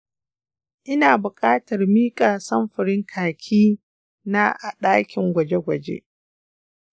ina buƙatar miƙa samfurin kaki na a ɗakin gwaje-gwaje.